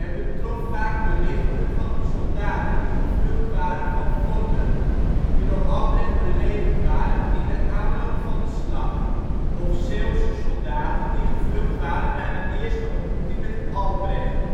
betrof vaak berichten van soldaten die gevlucht waren van forten die door Albrecht belegerd waren in aanloop naar de slag, of Zeeuwse soldaten die gevlucht waren na de eerste ontmoeting met Albrecht